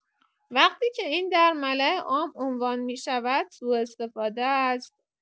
وقتی که این در ملاعام عنوان می‌شود، سوءاستفاده است.